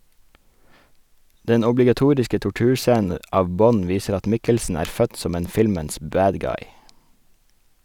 Den obligatoriske torturscenen av Bond viser at Mikkelsen er født som en filmens «bad guy».